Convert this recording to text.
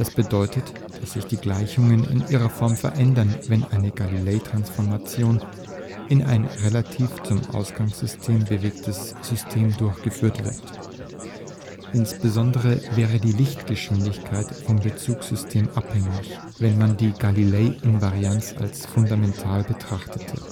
bedeutet, dass sich die Gleichungen in ihrer Form verändern, wenn eine Galilei-Transformation in ein relativ zum Ausgangssystem bewegtes System durchgeführt wird. Insbesondere wäre die Lichtgeschwindigkeit vom Bezugsystem abhängig, wenn man die Galilei-Invarianz als fundamental betrachtete